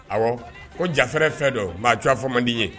Ɔwɔ ko jafɛ fɛn dɔ maa cogoya fɔ mandi ye